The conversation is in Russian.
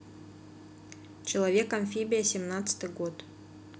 человек амфибия семнадцатый год